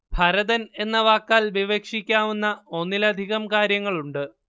ഭരതന്‍ എന്ന വാക്കാല്‍ വിവക്ഷിക്കാവുന്ന ഒന്നിലധികം കാര്യങ്ങളുണ്ട്